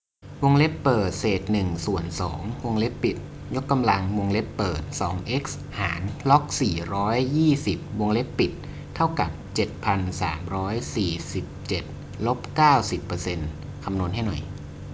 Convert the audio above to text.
วงเล็บเปิดเศษหนึ่งส่วนสองวงเล็บปิดยกกำลังวงเล็บเปิดสองเอ็กซ์หารล็อกสี่ร้อยยี่สิบวงเล็บปิดเท่ากับเจ็ดพันสามร้อยสี่สิบเจ็ดลบเก้าสิบเปอร์เซ็นต์คำนวณให้หน่อย